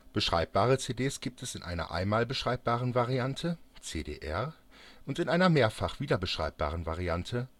Beschreibbare CDs gibt es in einer einmal beschreibbaren Variante (CD-R: CD recordable) und in einer mehrfach wiederbeschreibbaren Variante